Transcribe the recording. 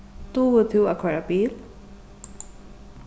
dugir tú at koyra bil